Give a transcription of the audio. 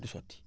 du sotti